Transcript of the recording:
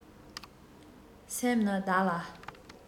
སེམས ནི བདག ལ